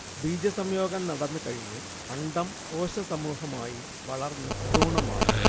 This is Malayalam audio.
ബീജസംയോഗം നടന്നുകഴിഞ്ഞ് അണ്ഡം കോശസമൂഹമായി വളർന്ന് ഭ്രൂണമാവുന്നു